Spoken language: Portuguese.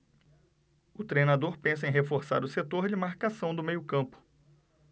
o treinador pensa em reforçar o setor de marcação do meio campo